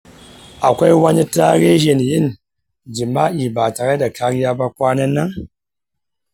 akwai wani tarihin yin jima’i ba tare da kariya ba kwanan nan?